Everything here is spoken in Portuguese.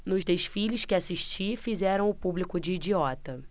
nos desfiles que assisti fizeram o público de idiota